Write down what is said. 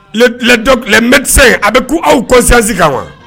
Les doc les médecins a bɛ ku aw conscience kan wa?